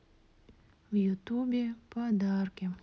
в ютубе подарки